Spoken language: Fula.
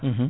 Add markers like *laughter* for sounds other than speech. *hesitation* *hesitation*